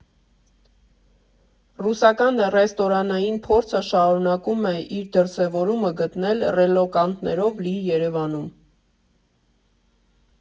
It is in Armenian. Ռուսական ռեստորանային փորձը շարունակում է իր դրսևորումը գտնել ռելոկանտներով լի Երևանում։